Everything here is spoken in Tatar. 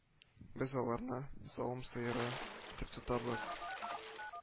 Без аларны савым сыеры итеп тотабыз